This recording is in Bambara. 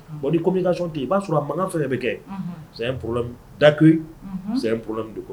Wa ni komi ka ten i b'a sɔrɔ a makangan fɛ bɛ kɛ sɛ daku sɛ poro kɔ